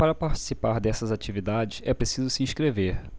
para participar dessas atividades é preciso se inscrever